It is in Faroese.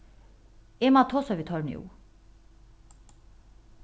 eg má tosa við teir nú